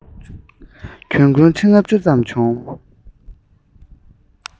གྱོང གུན ཁྲི ལྔ བཅུ ཙམ བྱུང